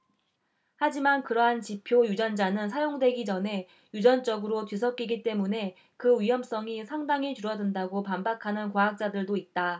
하지만 그러한 지표 유전자는 사용되기 전에 유전적으로 뒤섞이기 때문에 그 위험성이 상당히 줄어든다고 반박하는 과학자들도 있다